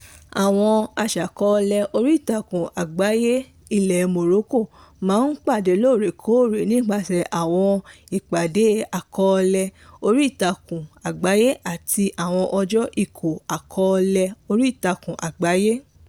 Àwọn aṣàkọọ́lẹ̀ oríìtakùn àgbáyé ilẹ̀ Morocco máa ń pàdé lóòrèkóòrè nípasẹ̀ àwọn ìpàdé àkọọ́lẹ̀ oríìtakùn àgbáyé àti àwọn ọjọ́ ìkọàkọọ́lẹ̀ oríìtakùn àgbáyé.